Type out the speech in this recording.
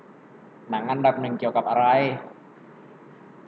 หนังอันดับหนึ่งเกี่ยวกับอะไร